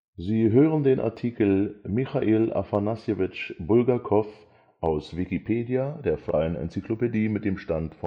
Sie hören den Artikel Michail Afanassjewitsch Bulgakow, aus Wikipedia, der freien Enzyklopädie. Mit dem Stand